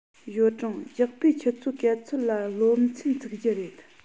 ཞའོ ཀྲུང ཞོགས པའི ཆུ ཚོད ག ཚོད ལ སློབ ཚན ཚུགས ཀྱི རེད